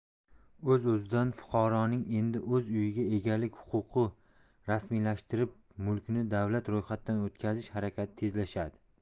o'z o'zidan fuqaroning endi o'z uyiga egalik huquqi rasmiylashtirib mulkni davlat ro'yxatidan o'tkazish harakati tezlashadi